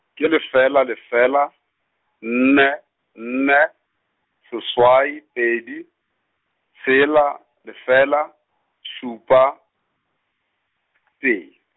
ke lefela lefela, nne, nne, seswai, pedi, tshela, lefela, šupa, tee.